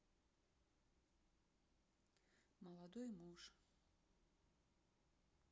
молодой муж